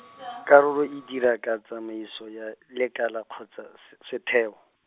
karolo e dira ka tsamaiso ya lekala kgotsa s-, setheo.